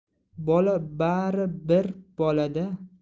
bola bari bir bola da